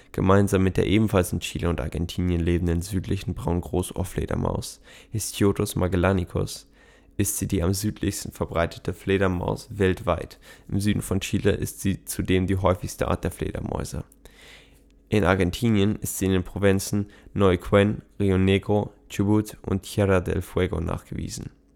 Gemeinsam mit der ebenfalls in Chile und Argentinien lebenden Südlichen Braunen Großohrfledermaus (Histiotus magellanicus) ist sie die am südlichsten verbreitete Fledermaus weltweit, im Süden von Chile ist sie zudem die häufigste Art der Fledermäuse. In Argentinien ist sie in den Provinzen Neuquén, Río Negro, Chubut und Tierra del Fuego nachgewiesen